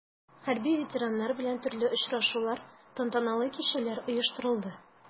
Хәрби ветераннар белән төрле очрашулар, тантаналы кичәләр оештырылды.